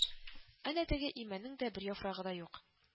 Әнә теге имәннең дә бер яфрагы да юк